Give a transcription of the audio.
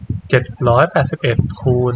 เจ็ดร้อยแปดสิบเอ็ดคูณ